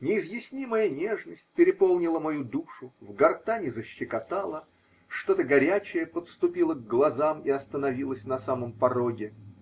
Неизъяснимая нежность переполнила мою душу, в гортани защекотало, что-то горячее подступило к глазам и остановилось на самом пороге.